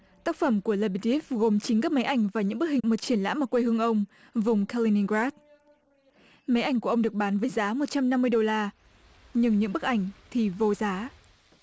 tác phẩm của lê bi đíp gồm chính các máy ảnh và những bức hình một triển lãm ở quê hương ông vùng ca linh ninh ráp máy ảnh của ông được bán với giá một trăm năm mươi đô la nhưng những bức ảnh thì vô giá